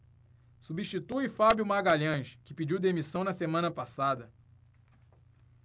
substitui fábio magalhães que pediu demissão na semana passada